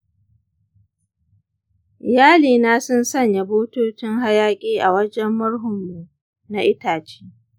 iyalina sun sanya bututun hayaƙi a wajen murhun mu na itace.